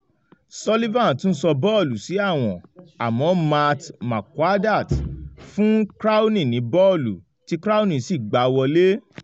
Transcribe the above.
Sulivan tún sọ bọ́ọ̀lù sí àwọ̀n, àmọ́ Matt Marquardt fún Crownie ni bọ́ọ̀lù, tí Crownie sì gba wọlé.